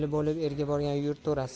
eli bo'lib elga borgan yurt to'rasi